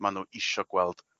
Ma' nw'n isio gweld